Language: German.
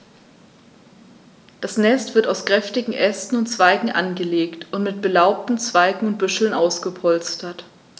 Das Nest wird aus kräftigen Ästen und Zweigen angelegt und mit belaubten Zweigen und Büscheln ausgepolstert.